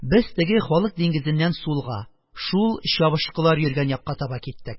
Без теге халык диңгезеннән сулга, шул чабышкылар йөргән якка таба киттек.